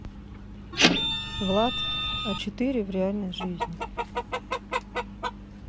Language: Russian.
влад а четыре в реальной жизни